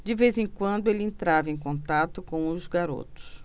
de vez em quando ele entrava em contato com os garotos